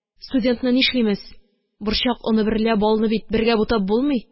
Студентны нишлимез? Борчак оны берлә балны бит бергә бутап булмый